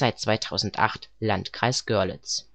2008: Landkreis Görlitz